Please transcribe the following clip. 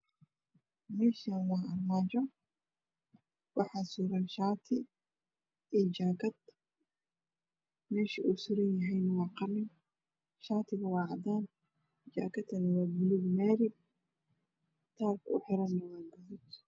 Meshan waa armajo waxaa suran shati iyo jakeed mesha uu suran yahayna waa qalin sharkuna waa cadan jakaduna waa bulug mari